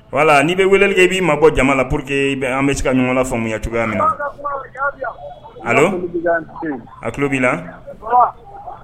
Wala n'i bɛ weleke b'i ma bɔ jama la purke i bɛ an bɛ se ka ɲɔgɔn la faamuya cogoya min na alo a kulo b'i la .